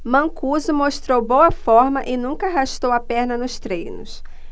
mancuso mostrou boa forma e nunca arrastou a perna nos treinos